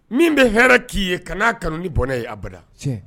Min bɛ hɛrɛ k'i ye ka'a kanu ni bɔnɛ ye abada